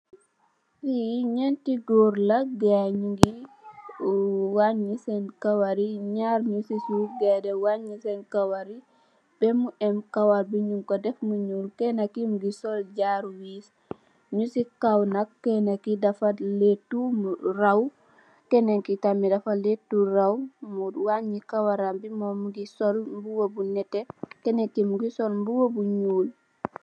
Fee nyente goor la gaye nuge wanye sen kawar yee nyarr nuse suuf gaye dang wanye sen kawar yee bamu emm kawar ye nugku def mu nuul kana ke muge sol jaaru wees nuse kaw nak kenake dafa letou raw kenake tamin dafa letou raw mu wanye kawaram be mum muge sol muba bu neteh kenen ke muge sol muba bu nuul.